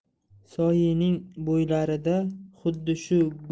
soyining bo'ylarida xuddi shu